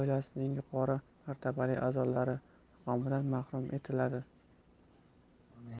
oilasining yuqori martabali a'zolari maqomidan mahrum etiladi